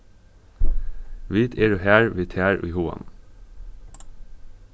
vit eru har við tær í huganum